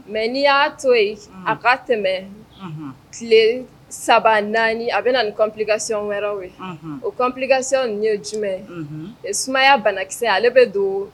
Mɛ n'i y'a to yen a ka tɛmɛ tile saba naani a bɛ nakasiy wɛrɛ ye o kankasiyɛnw ye jumɛn sumayaya banakisɛ ale bɛ don